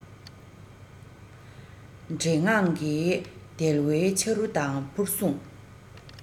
བྲེད དངངས ཀྱིས བརྡལ བའི ཆ རུ དང ཕུར ཟུངས